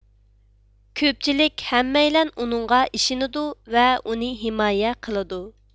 كۆپچىلىك ھەممەيلەن ئۇنىڭغا ئىشىنىدۇ ۋە ئۇنى ھىمايە قىلىدۇ